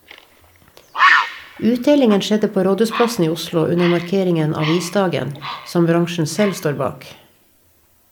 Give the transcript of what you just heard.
Utdelingen skjedde på Rådhusplassen i Oslo under markeringen Avisdagen, som bransjen selv står bak.